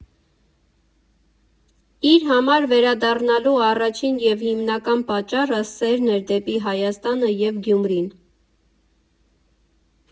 Իր համար վերադառնալու առաջին և հիմնական պատճառը սերն էր դեպի Հայաստանը և Գյումրին։